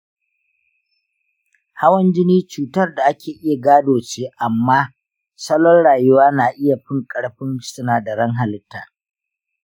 hawan-jini cutar da ake iya gado ce amma salon-rayuwa na iya fin-ƙarfin sinadaran-halitta